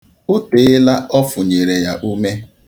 O teela ọ fụnyere ya ume.